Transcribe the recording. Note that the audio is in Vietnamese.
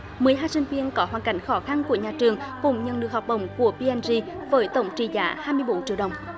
mười hai sinh viên có hoàn cảnh khó khăn của nhà trường cũng nhận được học bổng của pi en di với tổng trị giá hai mươi bốn triệu đồng